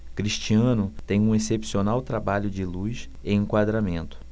cristiano tem um excepcional trabalho de luz e enquadramento